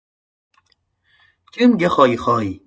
kimga hoy hoy